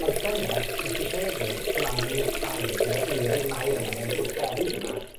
Ond llynedd, nes i hefyd blannu rain, sef yr eirin Mair yma, ne'r gooseberries yma,